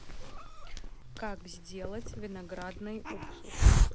как сделать виноградный уксус